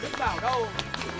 đức bảo đâu